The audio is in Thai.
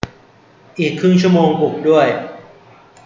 อีกครึ่งชั่วโมงปลุกด้วย